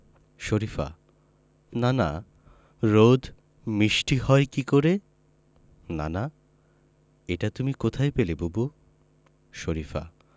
শরিফা নানা রোদ মিষ্টি হয় কী করে নানা এটা তুমি কোথায় পেলে বুবু শরিফা